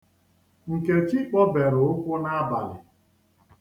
Nkechi kpọbere ụkwụ n'abalị.